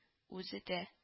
Үзе дә